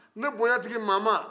ne bonyatigi mama